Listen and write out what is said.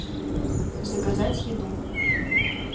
заказать еду